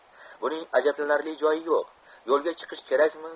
buning ajablanarli joyi yo'q yo'lga chiqish kerakmi